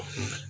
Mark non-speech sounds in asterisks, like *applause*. *hesitation*